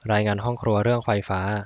รายงานห้องครัวเรื่องไฟฟ้า